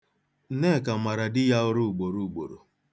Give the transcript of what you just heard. Nneka mara di ụra ugboruugboro.